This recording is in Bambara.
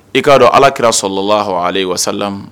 I k'a dɔn ala kira sɔrɔla la h ale wa